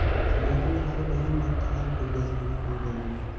suratni hali biron marta ham ko'rgazmaga qo'yganim yo'q